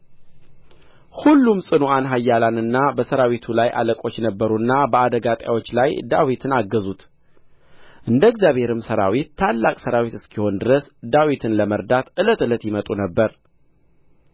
ሁሉም ጽኑዓን ኃያላንና በሠራዊቱ ላይ አለቆች ነበሩና በአደጋ ጣዮቹ ላይ ዳዊትን አገዙት እንደ እግዚአብሔርም ሠራዊት ታላቅ ሠራዊት እስኪሆን ድረስ ዳዊትን ለመርዳት ዕለት ዕለት ይመጡ ነበር